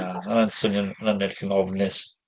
Na, oedd hwnna'n swnio'n... hwnna'n edrych yn yn ofnus.